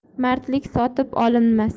mardlik sotib olinmas